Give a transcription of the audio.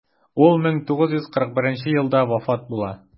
Ул 1941 елда вафат була.